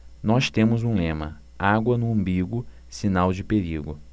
nós temos um lema água no umbigo sinal de perigo